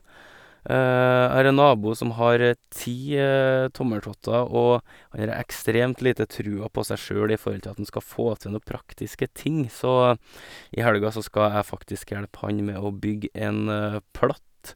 Jeg har en nabo som har ti tommeltotter, og han har ekstremt lite trua på seg sjøl i forhold til at han skal få til noe praktiske ting, så i helga så skal jeg faktisk hjelpe han med å bygge en platt.